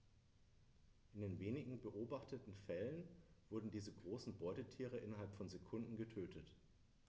In den wenigen beobachteten Fällen wurden diese großen Beutetiere innerhalb von Sekunden getötet.